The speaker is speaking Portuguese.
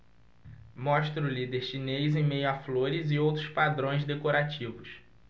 mostra o líder chinês em meio a flores e outros padrões decorativos